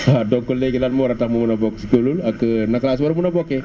waaw donc léegi lan moo war a tax ma mën a bokk ci kuréel googu ak naka laa si mën a bokkee